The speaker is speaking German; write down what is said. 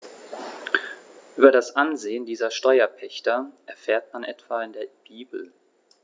Über das Ansehen dieser Steuerpächter erfährt man etwa in der Bibel.